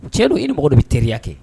Cɛ don i ni mɔgɔ de bɛ teri kɛ